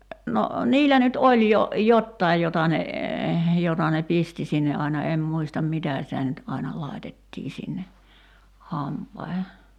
no niillä nyt oli jo jotakin jota ne jota ne pisti sinne aina en muista mitä sitä nyt aina laitettiin sinne hampaisiin